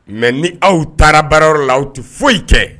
Mais ni aw taara baarayɔrɔ la aw ti foyi kɛ.